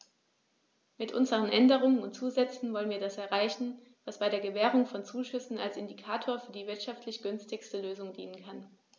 Mit unseren Änderungen und Zusätzen wollen wir das erreichen, was bei der Gewährung von Zuschüssen als Indikator für die wirtschaftlich günstigste Lösung dienen kann.